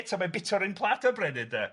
E- eto mae'n bita o'r un plat o brenin, de?